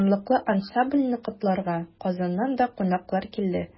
Данлыклы ансамбльне котларга Казаннан да кунаклар килде.